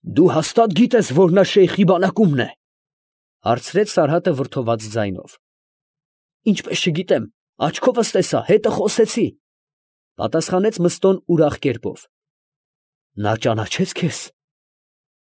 Դու հաստատ գիտե՞ս, որ նա շեյխի բանակում է, ֊ հարցրեց Սարհատը վրդոված ձայնով։ ֊ Ինչպես չգիտեմ, աչքովս տեսա, հետը խոսեցի, ֊ պատասխանեց Մըստոն ուրախ կերպով։ ֊ Նա ճանաչե՞ց քեզ։ ֊